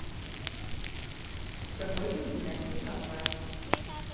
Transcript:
проходим династию компанию